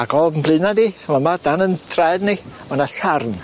Ag o'n bleuna ni fa'ma 'dan yn traed ni ma' 'na sarn.